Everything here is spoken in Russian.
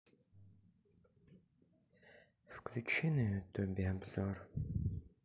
включи на ютубе обзор